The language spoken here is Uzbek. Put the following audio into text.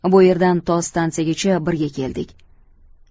bu yerdan to stansiyagacha birga keldik